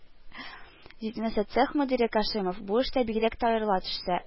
Җитмәсә, цех мөдире Кашимов бу эштә бигрәк тә аерыла төшсә